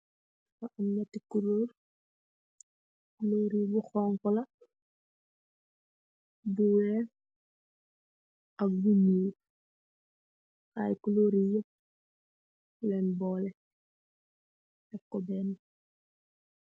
Gextih gulox , bina bi bu chokolah , bu weex ak bu nuul ak culoorr li yeep lenn boleex deff koox beenah.